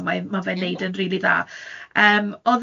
Ma fe'n 'neud yn rili dda.